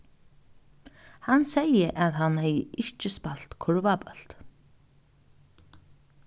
hann segði at hann hevði ikki spælt kurvabólt